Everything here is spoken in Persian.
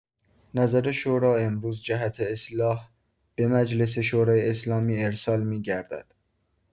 نظر شورا امروز جهت اصلاح به مجلس شورای اسلامی ارسال می‌گردد.